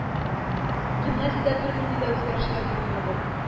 Гимназиядә бер ниндидә үзгәрешләр булмады